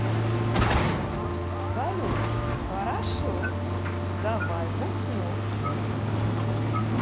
салют хорошо давай бухнем